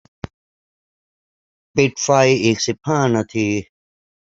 ปิดไฟอีกสิบห้านาที